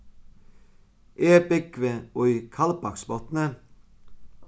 eg búgvi í kaldbaksbotni